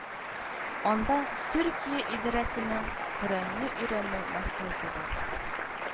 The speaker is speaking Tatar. Анда Төркия идәрәсенең Коръәнне өйрәнү мәркәзе бар